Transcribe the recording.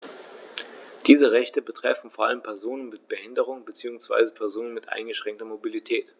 Diese Rechte betreffen vor allem Personen mit Behinderung beziehungsweise Personen mit eingeschränkter Mobilität.